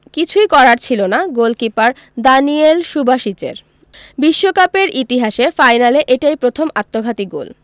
কিছুই করার ছিল না গোলকিপার দানিয়েল সুবাসিচের বিশ্বকাপের ইতিহাসে ফাইনালে এটাই প্রথম আত্মঘাতী গোল